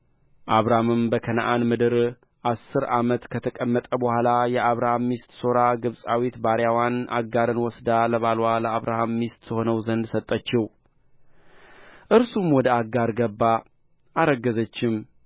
አብራምም በከነዓን ምድር አሥር ዓመት ከተቀመጠ በኋላ የአብራም ሚስት ሦራ ግብፃዊት ባሪያዋን አጋርን ወስዳ ለባልዋ ለአብራም ሚስት ትሆነው ዘንድ ሰጠችው እርሱም ወደ አጋር ገባ አረገዘችም